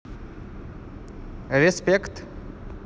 респект